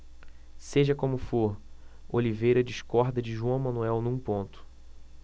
seja como for oliveira discorda de joão manuel num ponto